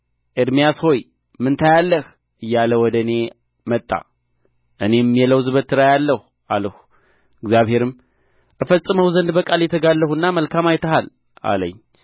ኤርምያስ ሆይ ምን ታያለህ እያለ ወደ እኔ መጣ እኔም የለውዝ በትር አያለሁ አልሁ እግዚአብሔርም እፈጽመው ዘንድ በቃሌ እተጋለሁና መልካም አይተሃል አለኝ